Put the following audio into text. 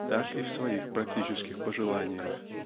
так и в своих практических пожеланиях